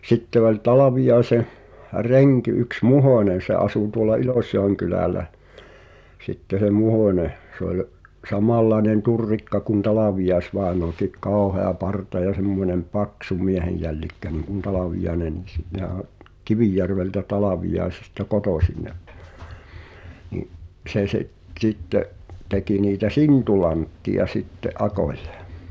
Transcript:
sitten oli Talviaisen renki yksi Muhonen se asui tuolla Ilosjoenkylällä sitten se Muhonen se oli samanlainen turrikka kuin Talviais-vainajakin kauhea parta ja semmoinen paksu miehenjällikkä niin kuin Talviainenkin sitten nehän on Kivijärveltä Talviaisista kotoisin ne niin se se sitten teki niitä sintulantteja sitten akoille